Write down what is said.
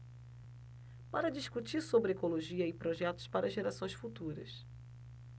para discutir sobre ecologia e projetos para gerações futuras